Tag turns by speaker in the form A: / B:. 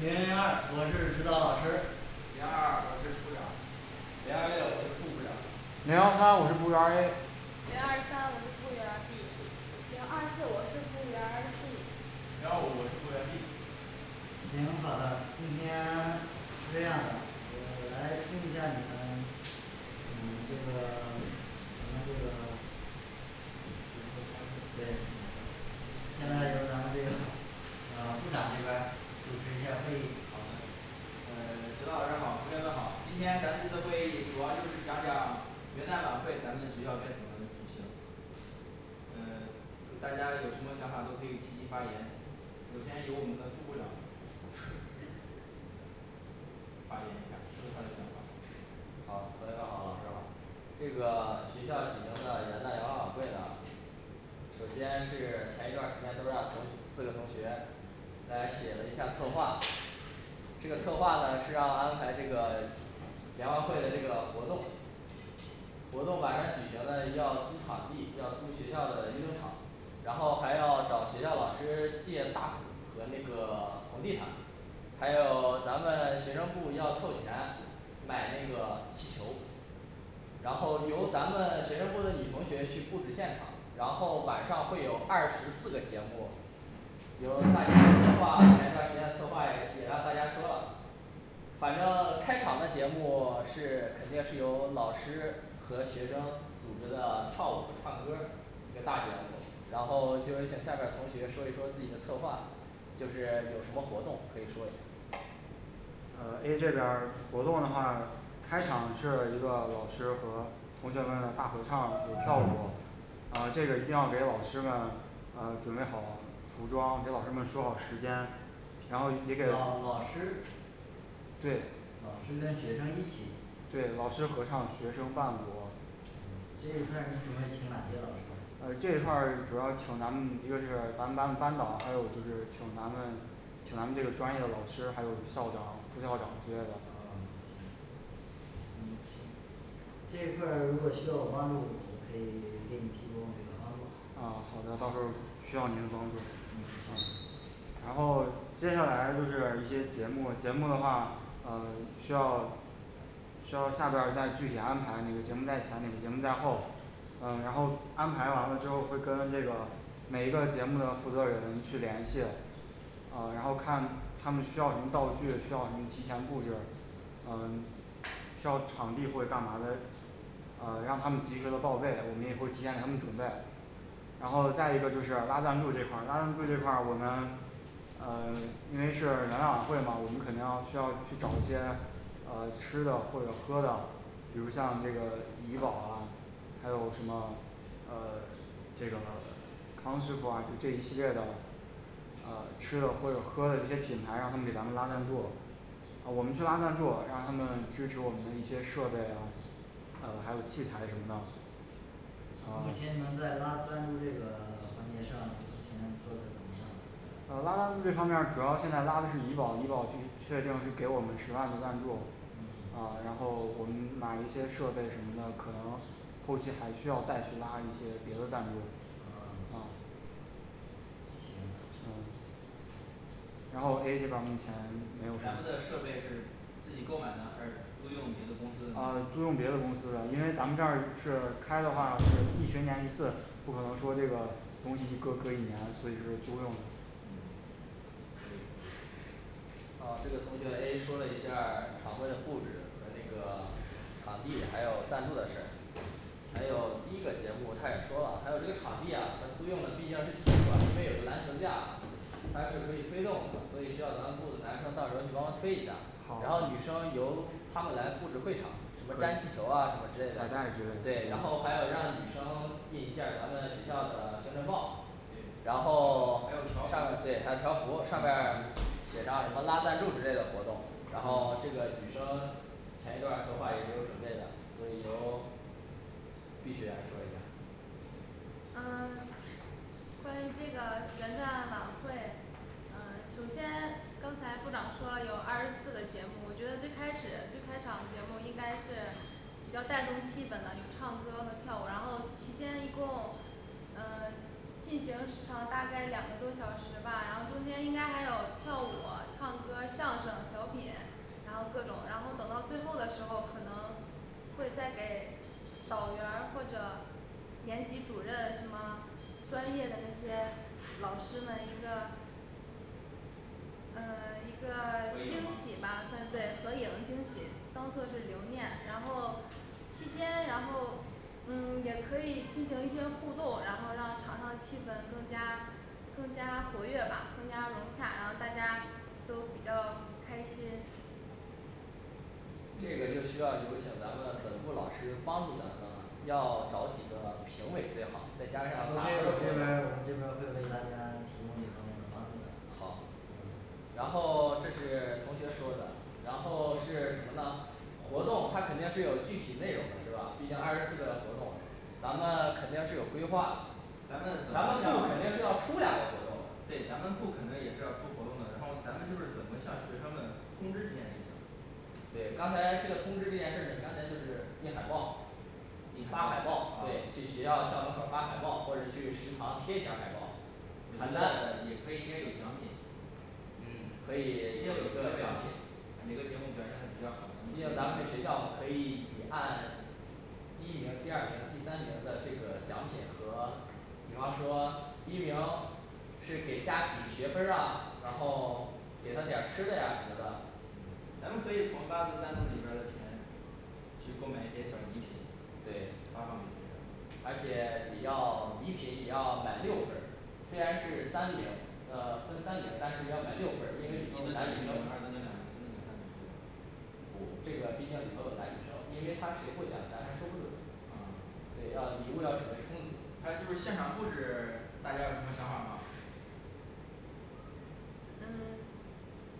A: 零零二我是指导老师
B: 零二二我是部长
C: 零二六我是副部长
D: 零幺三我是部员儿A
E: 零二三我是部员儿B
F: 零二四我是部员儿C
G: 零幺五我是部员D
B: 学生会开会
A: 对
B: 嗯
A: 现在由咱们这个 呃部长这边儿主持一下儿会议
B: 好的呃 指导老师好，同学们好，今天咱这次会议主要就是讲讲元旦晚会咱们学校该怎么举行呃就大家有什么想法都可以积极发言首先由我们的副部长 发言一下说说他的想法
C: 好，同学们好，老师好这个学校举行的元旦联欢晚会呢首先是前一段儿时间都让同学四个同学来写了一下儿策划，这个策划呢是让安排这个联欢会的这个活动活动晚上举行呢要租场地，要租学校的运动场，然后还要找学校老师借大鼓和那个 红地毯还有咱们学生部要凑钱买那个气球，然后由咱们学生部的女同学去布置现场，然后晚上会有二十四个节目由大家策划，前一段儿时间的策划也也让大家说了反正开场的节目 是肯定是有老师和学生组织的跳舞和唱歌儿一个大节目，然后就有请下边儿同学说一说自己的策划就是有什么活动可以说一下
D: 服装和老师们说好时间，然后你这个
A: 老老师
D: 对
A: 老师跟学生一起
D: 对老师合唱学生伴舞
A: 嗯这一块儿你准备请哪些老师呢啊嗯行这一块儿如果需要帮助，我可以给你提供的帮助
D: 啊好的到时候儿需要你的帮助
A: 嗯行
D: 然后接下来就是一些节目节目的话，呃需要呃需要下边儿再具体安排，那些人在前那些人在后呃然后安排完了之后会跟这个每一个节目的负责人去联系呃，然后看他们需要什么道具，需要什么提前布置呃需要场地或者干嘛的，呃让他们及时的报备，我们也会提前给他们准备呃吃的或者喝的，比如像这个怡宝啊，还有什么呃这这个呃吃的喝的喝的一些品牌让他们给咱们拉赞助，呃我们去拉赞助，让他们支持我们的一些设备啊还有器材什么的啊呃拉赞助这方面儿主要现在拉的是怡宝怡宝去 确定是给我们其他的赞助，
A: 嗯
D: 啊然后我们买一些设备什么的，可能后期还需要再去拉一些别的赞助
A: 啊
D: 啊
A: 行
D: 嗯然后我可以把我们钱
B: 咱们的设备是自己购买呢，还是租用别的公司
D: 啊租
B: 的
D: 用别的公司的因为咱们这儿是开的话一学年一次不可能说这个东西一搁搁一年，所以说租用
B: 嗯可以
C: 好，这个同学A说了一下儿场会的布置和那个场地，还有赞助的事儿。还有第一个节目他也说了，还有这个场地啊，他租用的毕竟是体育馆，因为有个篮球架它是可以推动的，所以需要咱们部的男生到时候儿去帮忙推一下，然后女
D: 好
C: 生由她们来布置会场，什么粘气球啊什么之类的
D: 彩带之，
C: 对，
D: 类
C: 然后还有让女生印一下儿咱们学校的宣传报然后 上对
D: 对
C: 还
D: 还有条幅
C: 有条幅上面儿写上什么拉赞助之类的活动，然后这个女生前一段儿策划也是有准备的，所以由 B学员说一下
E: 呃关于这个元旦晚会，呃首先刚才部长说有二十四个节目，我觉得最开始三场节目应该是比较带动气氛的唱歌跳舞，然后期间一共呃进行时长大概两个多小时吧，然后中间应该还有跳舞、唱歌儿、相声、小品然后各种然后等到最后的时候可能会再给导员儿或者年级主任什么专业的那些老师们一个呃 一个
C: 合影吗
E: 惊喜吧呃
C: 啊
E: 对合影惊喜自己当作是留念然后期间然后嗯也可以进行一番互动，然后让场上气氛增加，更加活跃吧更加融洽，然后大家都比较开心
C: 这个就需要有请咱们本部老师帮助咱们啦要找几个评委，最好再加
A: 这边儿我
C: 上打分
A: 们
C: 儿活动
A: 这边儿会为大家提供这方面儿的帮助的嗯
C: 好然后这是同学说的，然后是什么呢活动，它肯定是有具体内容的是吧？毕竟二十四个活动咱们肯定是有规划的，
B: 咱们
C: 咱们部肯定是要出两个活动的
B: 对咱们部肯能也是要出活动的，然后咱们就是怎么向学生们通知这件事情
C: 对，刚才这个通知这件事儿情，刚才就是印海报，你
D: 印
C: 发海
D: 海报
C: 报，
D: 啊
C: 对去学校校门口儿发海报，或者去食堂贴一下海报
B: 我
C: 传
B: 觉
C: 单
B: 得也可以应该有奖品，
C: 嗯可以有一个奖品
B: 哪个节目表现的比较好
C: 毕竟
B: 的咱们
C: 咱们是学校吗？可以按第一名第二名第三名的这个奖品和比方说第一名是给加几学分儿啊，然后给他点儿吃的呀什么的
B: 嗯咱们可以从拉助赞助里边儿的钱去购买一些小礼品
C: 对
D: 发放给学生
C: 而且也要礼品也要买六份儿，虽然是三名呃分三名，但是要买六分儿
D: 二等奖两名，三等奖，
C: 因为里头有男女生
D: 三名对吧
C: 不这个毕竟里头有男女生，因为他谁获奖咱还说不准
B: 啊
C: 对要礼物要准备充足
B: 还有就现场布置，大家有什么想法吗
E: 嗯